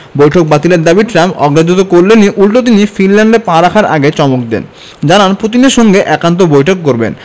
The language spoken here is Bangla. বৈঠক বাতিলের দাবি ট্রাম্প অগ্রাহ্য তো করলেনই উল্টো তিনি ফিনল্যান্ডে পা রাখার আগে চমক দেন জানান পুতিনের সঙ্গে একান্ত বৈঠক করবেন